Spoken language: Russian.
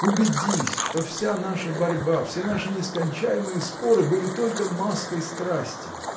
Убедись, что вся наша борьба, все наши нескончаемые споры были только маской страсти.